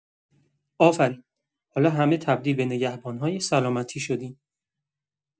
آفرین، حالا همه تبدیل به نگهبان‌های سلامتی شدین.